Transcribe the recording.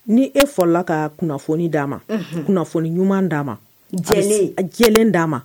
Ni e fɔrala ka kunnafoni d'a ma kunnafoni ɲuman d'a ma j d'a ma